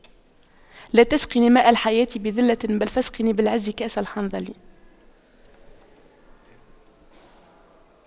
لا تسقني ماء الحياة بذلة بل فاسقني بالعز كأس الحنظل